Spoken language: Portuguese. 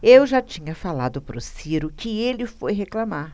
eu já tinha falado pro ciro que ele foi reclamar